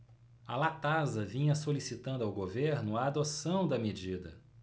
a latasa vinha solicitando ao governo a adoção da medida